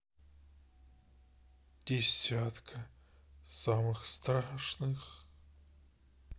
десятка самых страшных